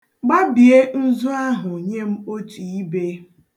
Gbabie nzu ahụ nye m otu ibe.